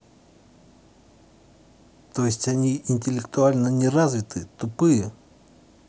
то есть они интеллектуально неразвитые тупые